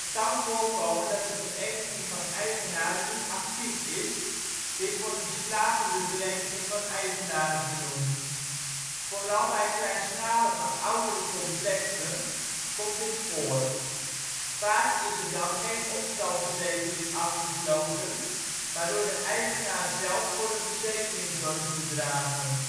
kan voorkomen dat de Vereniging van Eigenaren niet actief is (dit wordt een slapende Vereniging van Eigenaren genoemd). Vooral bij kleinschalige oudere complexen komt dit voor. Vaak is er dan geen opstalverzekering afgesloten, waardoor de eigenaar zelf voor een verzekering zorg moet dragen